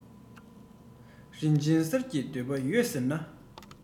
ཁམ བུ དགོས ན ཁམ སྡོང འགྲམ ལ སོང